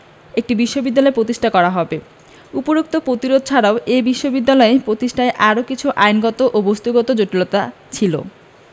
একটি বিশ্ববিদ্যালয় প্রতিষ্ঠা করা হবে উপরিউক্ত প্রতিরোধ ছাড়াও এ বিশ্ববিদ্যালয় প্রতিষ্ঠায় আরও কিছু আইনগত ও বস্তুগত জটিলতা ছিল